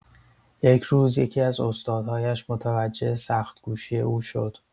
یک روز، یکی‌از استادهایش متوجه سخت‌کوشی او شد.